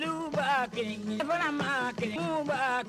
Kun ba kɛkuma ma kun kun ba